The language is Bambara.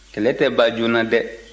kɛlɛ tɛ ban joona de